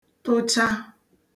tụ̀cha